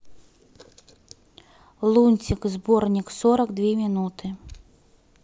лунтик сборник сорок две минуты